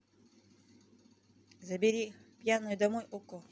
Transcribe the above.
забери пьяную домой okko